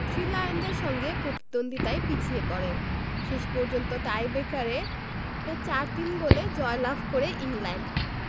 three লায়নদের সঙ্গে প্রতিদ্বন্দ্বিতায় পিছিয়ে পড়ে শেষ পর্যন্ত টাইট্রেকারে ৪ ৩ গোলে জয়লাভ করে ইংল্যান্ড